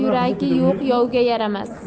yuragi yo'q yovga yaramas